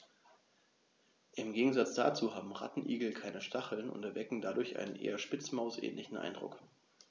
Im Gegensatz dazu haben Rattenigel keine Stacheln und erwecken darum einen eher Spitzmaus-ähnlichen Eindruck.